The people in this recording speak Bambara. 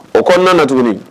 O ko nana na tuguni